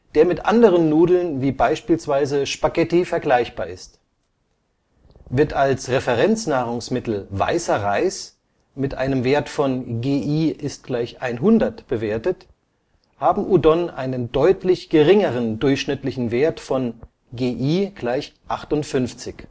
der mit anderen Nudeln wie beispielsweise Spaghetti vergleichbar ist. Wird als Referenznahrungsmittel Weißer Reis mit einem Wert von GI = 100 bewertet, haben Udon einen deutlich geringeren durchschnittlichen Wert von GI = 58.